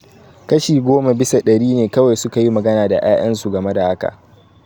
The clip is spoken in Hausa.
Kashi 10 bisa dari ne kawai sukayi magana da yayan su game da haka.